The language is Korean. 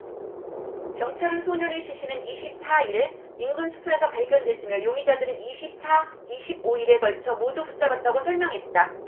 경찰은 소년의 시신은 이십 사 일 인근 수풀에서 발견됐으며 용의자들을 이십 사 이십 오 일에 걸쳐 모두 붙잡았다고 설명했다